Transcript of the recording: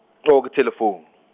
oh ke thelefoune.